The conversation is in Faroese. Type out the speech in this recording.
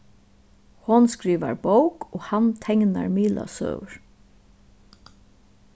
hon skrivar bók og hann teknar miðlasøgur